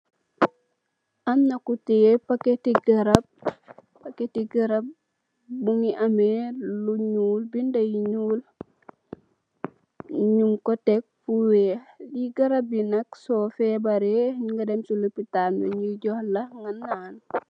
Amm na ku tiyeh packet ti garab packet ti garab mungi ameh lu nyul bindi yu nyul nyung ko tekk fu wheh garab yi nak sor febareh munga dem si lopitan bi nyu johk la nga nan.